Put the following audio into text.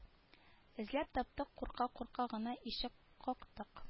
Эзләп таптык курка-курка гына ишек кактык